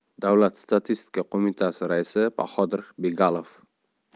davlat statistika qo'mitasi raisi bahodir begalov